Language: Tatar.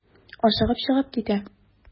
Ашыгып чыгып китә.